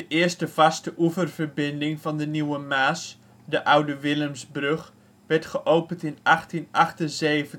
eerste vaste oeververbinding van de Nieuwe Maas, de (oude) Willemsbrug, werd geopend in 1878